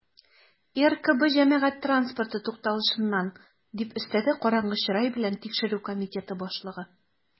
"ркб җәмәгать транспорты тукталышыннан", - дип өстәде караңгы чырай белән тикшерү комитеты башлыгы.